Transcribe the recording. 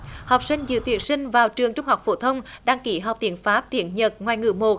học sinh dự tuyển sinh vào trường trung học phổ thông đăng ký học tiếng pháp tiếng nhật ngoại ngữ một